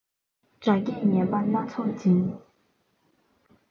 སྒྲ སྐད ངན པ སྣ ཚོགས འབྱིན